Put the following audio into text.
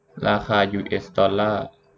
ราคายูเอสดอลล่าร์